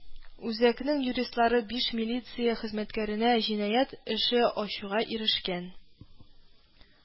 Үзәкнең юристлары биш милиция хезмәткәренә җинаять эше ачуга ирешкән